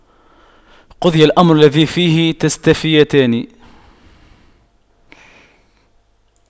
قُضِيَ الأَمرُ الَّذِي فِيهِ تَستَفِتيَانِ